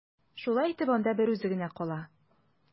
Шулай итеп, анда берүзе генә кала.